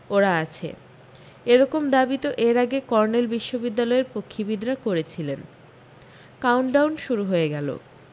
ওরা আছে এ রকম দাবি তো এর আগে কর্নেল বিশ্ববিদ্যালয়ের পক্ষিবিদরা করেছিলেন কাউন্টডাউন শুরু হয়ে গেল